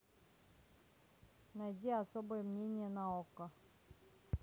найди особое мнение на окко